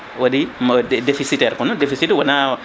waɗi * déficitaire kono déficite